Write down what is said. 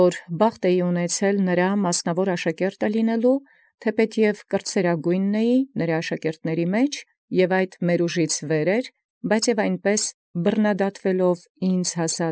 Ուստի և իմ մասնաւոր աշակերտութեան վիճակ առեալ, թէպէտ և էի կրսերագոյն, և առաւել քան զկար մեր, գրաւեալ։